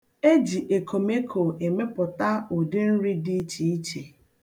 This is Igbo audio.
E ji ekomeko emepụta ụdị nri dị ichiiche.